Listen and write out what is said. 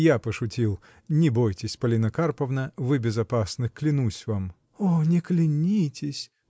— Я пошутил: не бойтесь, Полина Карповна — вы безопасны, клянусь вам. — О, не клянитесь!